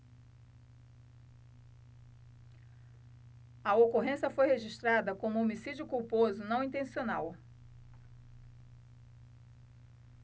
a ocorrência foi registrada como homicídio culposo não intencional